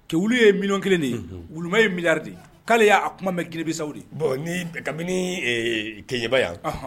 Ke wulu ye minnu kelen de ye wu ye miri de k'ale y'a kuma bɛ gmisa de bɔn ni ka keɲɛba yan